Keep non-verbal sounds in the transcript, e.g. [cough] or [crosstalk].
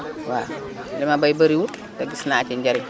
waaw [crosstalk] li ma bay bariwut te gis na ci njariñ